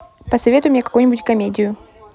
посоветуй мне какую нибудь комедию